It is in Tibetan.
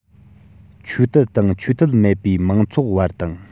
ཆོས དད དང ཆོས དད མེད པའི མང ཚོགས བར དང